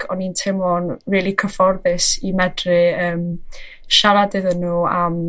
o'n i'n teimlo'n rili cyfforddus i medru yym siarad iddyn nw am